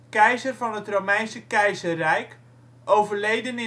keizer van het Romeinse Keizerrijk (overleden